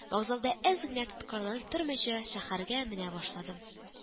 Вокзалда әз генә дә тоткарланып тормыйча, шәһәргә менә башладым